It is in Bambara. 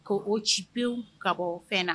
Ko o ci pewu ka bɔ o fɛn na